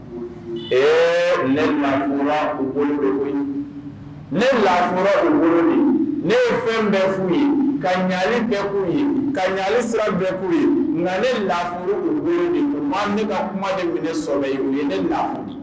Eef u ne laf u ne ye fɛn bɛ ka ɲali bɛɛu ka ɲali sira bɛɛ'u ye nka ne lafif ne ka kuma ne sɔrɔ u ye ne la